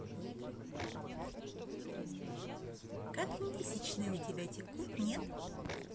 как месячные у тебя текут нет